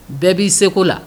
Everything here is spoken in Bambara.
Bɛɛ b'i seko la